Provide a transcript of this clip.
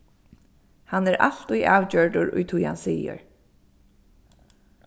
hann er altíð avgjørdur í tí hann sigur